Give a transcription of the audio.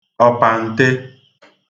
ọ̀pàǹte